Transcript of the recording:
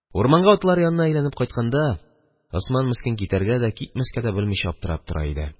Урманга, атлар янына әйләнеп кайтканда, Госман мескен китәргә дә, китмәскә дә белмичә аптырап тора иде.